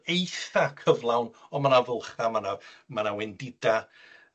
eitha cyflawn, on' ma' 'na fwlcha, ma' 'na ma' 'na wendidau